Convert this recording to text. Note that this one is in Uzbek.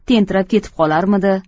tentirab ketib qolarmidi